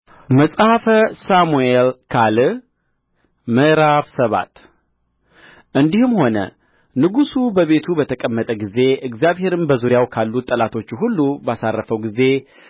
መጽሐፈ ሳሙኤል ካል ምዕራፍ ሰባት እንዲህም ሆነ ንጉሡ በቤቱ በተቀመጠ ጊዜ እግዚአብሔርም በዙሪያው ካሉት ጠላቶቹ ሁሉ ባሳረፈው ጊዜ